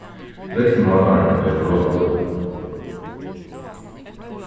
regnmátarin er brotin